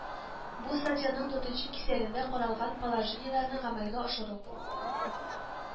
Бу статьяның дүртенче кисәгендә каралган положениеләрне гамәлгә ашыру